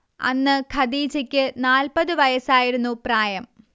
അന്ന് ഖദീജക്ക് നാൽപത് വയസ്സായിരുന്നു പ്രായം